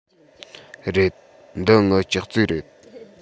རེད འདི ངའི ཅོག ཙེ རེད